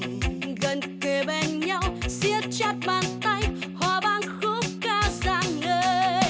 gần kề bên nhau siết chặt bàn tay hòa vang khúc ca rạng ngời